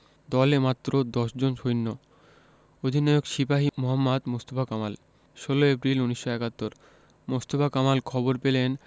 দলে মাত্র দশজন সৈন্য অধিনায়ক সিপাহি মোহাম্মদ মোস্তফা কামাল ১৬ এপ্রিল ১৯৭১ মোস্তফা কামাল খবর পেলেন